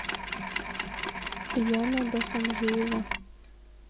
яна басамжиева